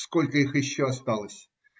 Сколько их еще осталось?